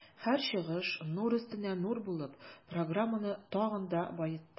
Һәр чыгыш нур өстенә нур булып, программаны тагын да баетты.